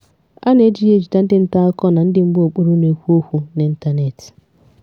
A na-eji ya ejide ndị nta akụkọ na ndị mgbaokpuru na-ekwu okwu n'ịntanetị.